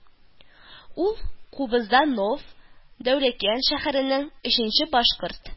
Ул кубызда нов, Дәүләкән шәһәренең өченче башкорт